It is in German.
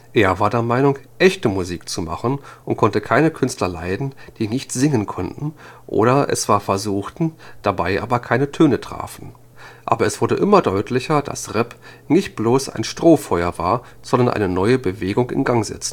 Er war der Meinung, echte Musik zu machen und konnte keine Künstler leiden, die nicht singen konnten oder es zwar versuchten, dabei aber keine Töne trafen. Aber es wurde immer deutlicher, dass Rap nicht bloß ein Strohfeuer war, sondern eine neue Bewegung in Gang